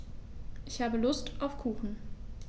Ich habe Lust auf Kuchen.